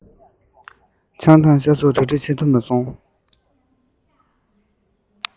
ཆང དང ཤ སོགས ཀྱང གྲ སྒྲིག བྱེད ཐུབ མ སོང